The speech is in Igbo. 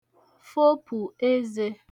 fopụ̀ ezē